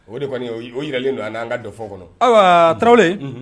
O de kɔni o jiralen don an na an ka dɔ fɔ kɔnɔ . Ayiwa tarawele